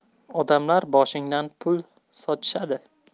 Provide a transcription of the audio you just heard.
odamlar boshingdan pul sochishadi